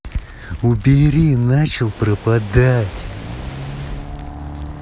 убери начал пропадать